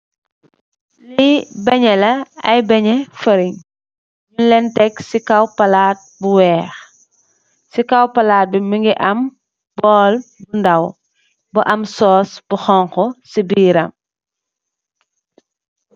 Li beñeh la, ay beñeh fariñ ñing lèèn tek ci kaw palaat bu wèèx. Si kaw palaat bu wèèx ci kaw palaat bi mu ngi am bóól bu ndaw mugii am sóós bu xonxu ci biir ram.